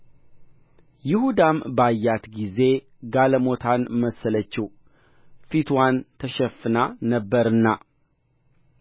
ይሁዳም ባያት ጊዜ ጋለሞታን መሰለችው ፊትዋን ተሸፍና ነበርና